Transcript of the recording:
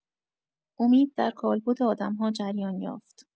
امید در کالبد آدم‌ها جریان یافت.